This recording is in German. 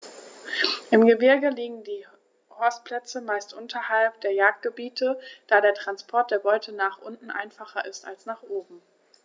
Im Gebirge liegen die Horstplätze meist unterhalb der Jagdgebiete, da der Transport der Beute nach unten einfacher ist als nach oben.